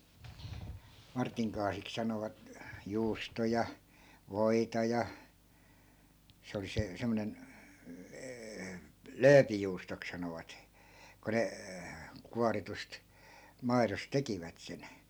Martin kaasiksi sanovat juustoja voita ja se oli se semmoinen lööpijuustoksi sanovat kun ne kuoritusta maidossa tekivät sen